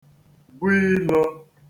bu ilō